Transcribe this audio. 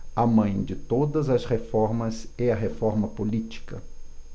a mãe de todas as reformas é a reforma política